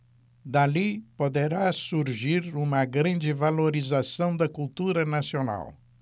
dali poderá surgir uma grande valorização da cultura nacional